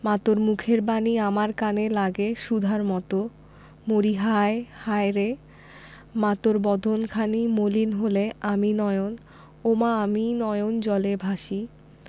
মা তোর মুখের বাণী আমার কানে লাগে সুধার মতো মরিহায় হায়রে মা তোর বদন খানি মলিন হলে ওমা আমি নয়ন ওমা আমি নয়ন জলে ভাসি